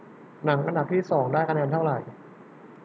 หนังอันดับสองได้คะแนนเท่าไหร่